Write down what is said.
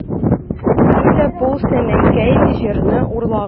Нишләп ул безнең Сәмәкәй җырын урлаган?